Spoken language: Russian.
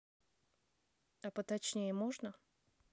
а поточнее можно